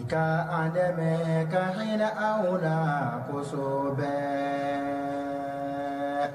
Nka ka a dɛmɛ ka hakili an wula la bɛ